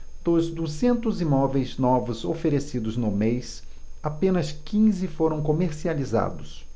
dos duzentos imóveis novos oferecidos no mês apenas quinze foram comercializados